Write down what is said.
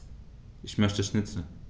Ich möchte Schnitzel.